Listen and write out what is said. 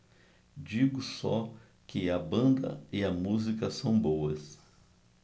digo só que a banda e a música são boas